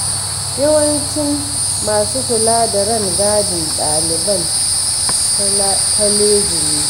Yawancin masu kula da rangadin ɗaliban kwaleji ne.